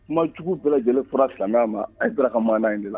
Kuma cogo bɛɛ lajɛlen fara silamɛ ma an kɛra ka maa in de la